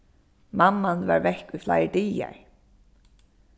mamman var vekk í fleiri dagar